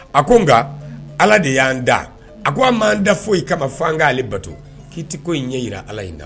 A ko nka ala de y'an da a ko an'an da fo i kama fɔ' ka ale bato k'i tɛ ko in ɲɛ jirara ala in da